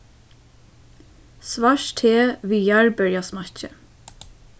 svart te við jarðberjasmakki